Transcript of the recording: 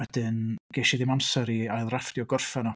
Wedyn ges i ddim amser i ailddrafftio, gorffen o.